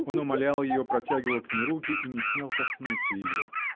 Он умолял ее, протягивал к ней руки и не смел коснуться ее.